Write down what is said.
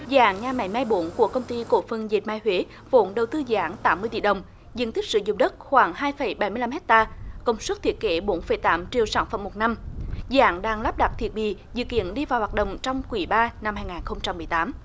dự án nhà máy may bốn của công ty cổ phần dệt may huế vốn đầu tư dự án tám mươi tỷ đồng diện tích sử dụng đất khoảng hai phẩy bảy mươi lăm héc ta công suất thiết kế bốn phẩy tám triệu sản phẩm một năm dự án đang lắp đặt thiết bị dự kiến đi vào hoạt động trong quý ba năm hai ngàn không trăm mười tám